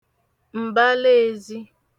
m̀bala ezi